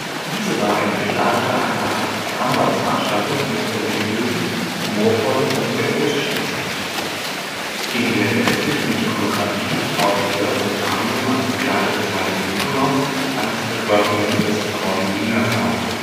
diese war im Mittelalter eine Art Karnevalsveranstaltung mit religiösen, humorvollen und erotischen Aspekten. In der christlichen Ikonografie taucht er, unter anderem als Begleiter des Heiligen Nikolaus, als Verkörperung des treuen Dieners auf